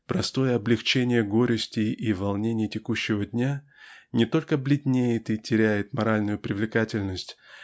простое облегчение горестей и волнений текущего дня не только бледнеет и теряет моральную привлекательность